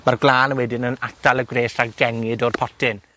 Ma'r gwlân wedyn yn atal y gwres rhag dengid o'r potyn.